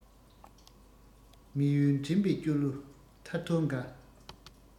མི ཡུལ འགྲིམས པའི སྐྱོ གླུ ཐ ཐོར འགའ